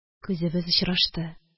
Күзебез очрашты